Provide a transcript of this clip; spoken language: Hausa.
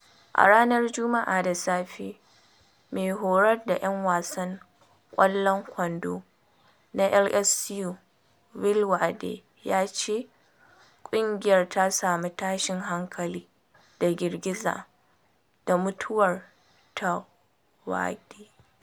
A ranar Juma’a da safe, mai horar da ‘yan wasan ƙwallon kwandon na LSU Will Wade ya ce ƙungiyar ta sami “tashin hankali” da “girgiza” da mutuwar ta Wayde.